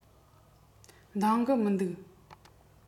འདང གི མི འདུག